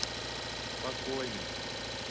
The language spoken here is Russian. спокойный